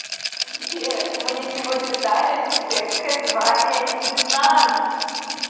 сбер мне сегодня дали офицерское звание лейтенант